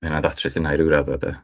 Ma' hynna'n datrys hynna i ryw raddau de.